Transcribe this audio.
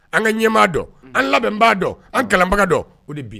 An ka ɲɛmaa dɔn an labɛnbaa dɔn an kalanbaga dɔn o de bin